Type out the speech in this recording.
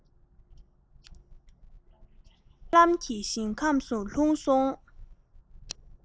རྨི ལམ གྱི ཞིང ཁམས སུ ལྷུང སོང